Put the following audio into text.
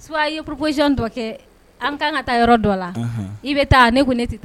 Su ye purpzy dɔkɛ an kan ka taa yɔrɔ dɔ la i bɛ taa ne ko ne tɛ taa